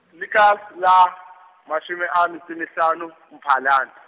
le ka, la, mashome a metso mahlano, Mphalane.